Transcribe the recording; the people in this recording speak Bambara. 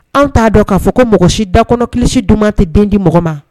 An t'a dɔn k'a fɔ ko mɔgɔ si dakɔnɔ kilisisi dun tɛ don di mɔgɔ ma